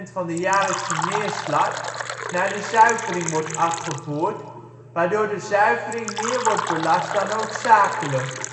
van de jaarlijkse neerslag) naar de zuivering wordt afgevoerd, waardoor de zuivering meer wordt belast dan noodzakelijk